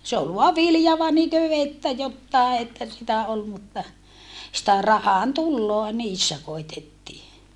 se oli vain vilja että jotakin että sitä oli mutta sitä rahantuloa niissä koetettiin